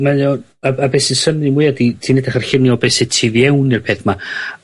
Mae o... A a be' sy'n synni mwya ydi ti'n edrych ar llunia' o be' sy tu fewn i'r peth 'ma